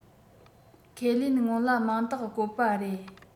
ཁས ལེན སྔོན ལ མིང རྟགས བཀོད པ རེད